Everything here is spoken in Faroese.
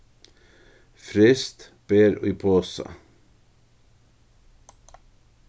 fryst ber í posa